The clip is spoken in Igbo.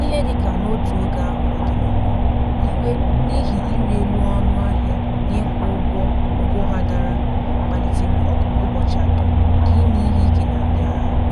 N'ihe dị ka n'otu oge ahụ na Cameroon, iwe n'ihi ịrị elu ọnụ ahịa na ịkwụ ụgwọ ụgwọ ha dara kpalitere ọgụ ụbọchị atọ nke ime ihe ike na ndị agha.